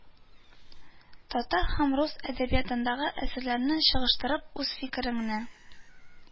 Татар һəм рус əдəбиятындагы əсəрлəрне чагыштырып, үз фикереңне